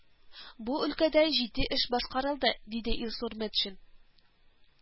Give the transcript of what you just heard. Бу өлкәдә җитди эш башкарылды , диде Илсур Метшин